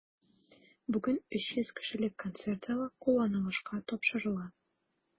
Бүген 300 кешелек концерт залы кулланылышка тапшырыла.